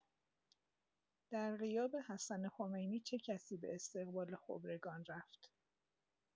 در غیاب حسن خمینی چه کسی به استقبال خبرگان رفت؟